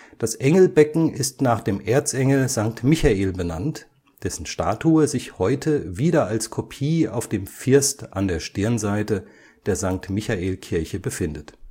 Das Engelbecken ist nach dem Erzengel St. Michael benannt, dessen Statue sich heute wieder als Kopie auf dem First an der Stirnseite der Sankt-Michael-Kirche befindet. Die